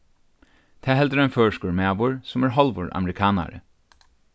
tað heldur ein føroyskur maður sum er hálvur amerikanari